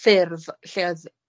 ffurf lle odd